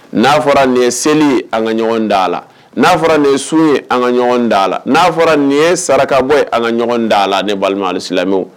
N'a fɔra nin ye seli ye an ka ɲɔgɔn dala la'a fɔra nin ye sun ye an ka ɲɔgɔn dala la n'a fɔra nin ye saraka bɔ an ka ɲɔgɔn dala' a la ni silamɛ